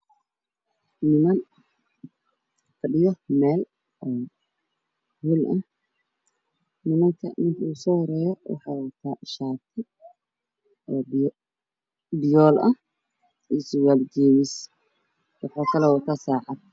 Niman fadhiyo meel bannaan ah in google soo horreeyo wuxuu wataa khamiis madow ah waxaa ka dambeeya nin kale oo wato fanaanad madow ah iyo macawis